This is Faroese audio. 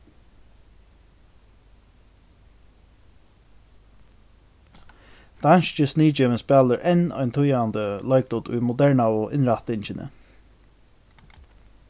danski sniðgevin spælir enn ein týðandi leiklut í modernaðu innrættingini